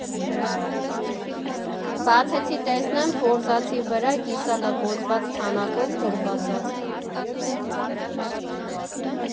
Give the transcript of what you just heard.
Բացեցի, տեսնեմ ֆորզացի վրա կիսալղոզված թանաքով գրված ա.